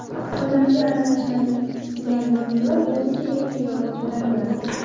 odamga aralashmaydigan doniyor o'zicha yakka yolg'iz yuraveradi